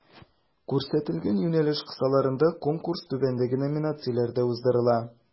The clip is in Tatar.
Күрсәтелгән юнәлеш кысаларында Конкурс түбәндәге номинацияләрдә уздырыла: